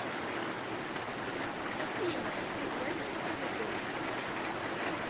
афина поиграем в москве бой